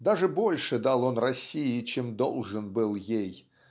Даже больше дал он России, чем должен был ей,